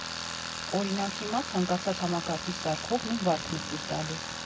Օրինակ, հիմա ցանկացած համակարգիչ սարքող նույն վարքն է ցույց տալիս.